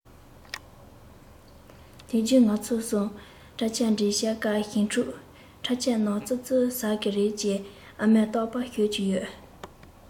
དུས རྒྱུན ང ཚོ གསུམ པྲ ཆལ འདྲ བྱེད སྐབས ཞིམ ཕྲུག པྲ ཆལ རྣམས ཙི ཙིས ཟ གི རེད ཅེས ཨ མས རྟག པར ཤོད ཀྱི ཡོད